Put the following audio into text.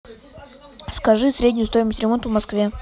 скажи среднюю стоимость ремонта в москве